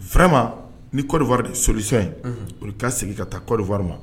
Vraiment ni Côte d'Ivoire de ye solution ye unhun olu ka segin ka taa Côte d' Ivoire ma